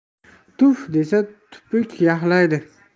tuf desa tupuk yaxlaydi